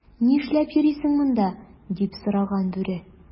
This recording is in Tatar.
"нишләп йөрисең монда,” - дип сораган бүре.